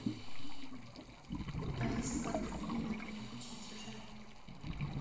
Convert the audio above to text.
алиса как другие игры включить уже